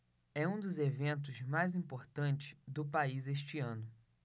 é um dos eventos mais importantes do país este ano